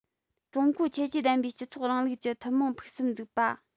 ཀྲུང གོའི ཁྱད ཆོས ལྡན པའི སྤྱི ཚོགས རིང ལུགས ཀྱི ཐུན མོང ཕུགས བསམ འཛུགས པ